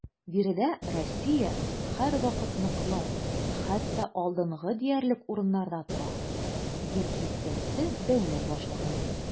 Биредә Россия һәрвакыт ныклы, хәтта алдынгы диярлек урыннарда тора, - дип искәртте дәүләт башлыгы.